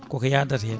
koko yadata hen